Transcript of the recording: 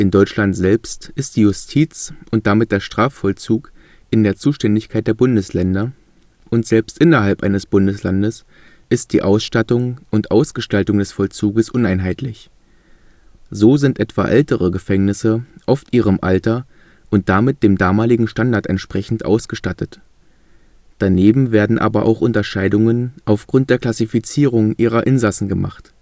Deutschland selbst ist die Justiz und damit der Strafvollzug in der Zuständigkeit der Bundesländer, und selbst innerhalb eines Bundeslandes ist die Ausstattung und Ausgestaltung des Vollzuges uneinheitlich. So sind etwa ältere Gefängnisse oft ihrem Alter, und damit dem damaligen Standard entsprechend ausgestattet. Daneben werden aber auch Unterscheidungen aufgrund der Klassifizierung ihrer Insassen gemacht